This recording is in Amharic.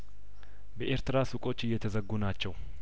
በኤርትራ ሱቆች እየተዘጉ ናቸው